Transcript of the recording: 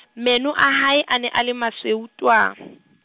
meno a hae a ne a le masweu twaa .